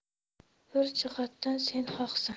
bir jihatdan sen haqsan